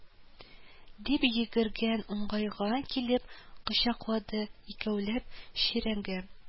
Дип йөгергән уңайга килеп кочаклады, икәүләп чирәмгә